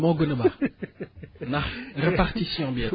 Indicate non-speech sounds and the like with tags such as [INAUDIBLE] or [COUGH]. moo gën a baax [LAUGHS] ndax répartition bee tax